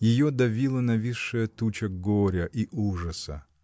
Ее давила нависшая туча горя и ужаса.